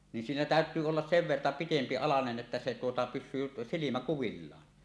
niin siinä täytyy olla sen verta pitempi alanen että se tuota pysyy silmä kuvillaan